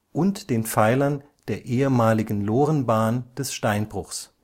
und den Pfeilern der ehemaligen Lorenbahn des Steinbruchs